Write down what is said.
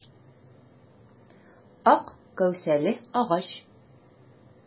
Ак кәүсәле агач.